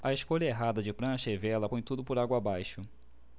a escolha errada de prancha e vela põe tudo por água abaixo